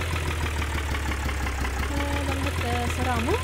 Dem heter Saramo.